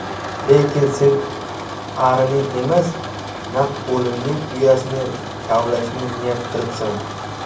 lekin sen arining emas naq o'limning uyasini kavlashni niyat qilibsan